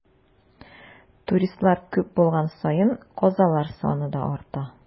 Туристлар күп булган саен, казалар саны да арта.